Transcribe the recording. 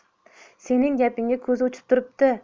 sening gapingga ko'zi uchib turibdi